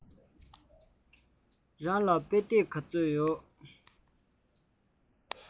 རང ལ དཔེ དེབ ག ཚོད ཡོད